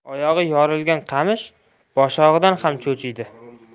oyog'i yorilgan qamish boshog'idan ham cho'chiydi